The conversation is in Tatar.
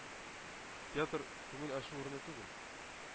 Театр – күңел ачу урыны түгел,